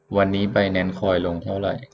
วันนี้ไบแนนซ์คอยลงเท่าไหร่